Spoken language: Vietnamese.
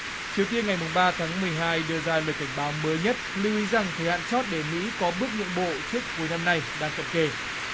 triều tiên ngày mùng ba tháng mười hai đưa ra lời cảnh báo mới nhất lưu ý rằng thời hạn chót để mỹ có bước nhượng bộ trước cuối năm nay đang cận kề